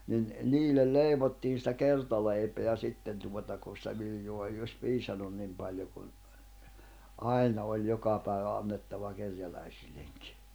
niin niille leivottiin sitä kertaleipää sitten tuota kun sitä viljaa ei olisi piisannut niin paljon kun aina oli joka päivä annettava kerjäläisillekin